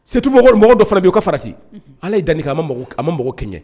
Setumɔgɔ mɔgɔ dɔ fana b' ka farati ala ye dan kɛ a ma a ma mɔgɔ kɛ